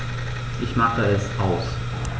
Ich mache es aus.